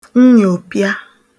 nnyòpịa